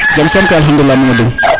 jam soom kay Alkhadoulilah Mamadou Diouf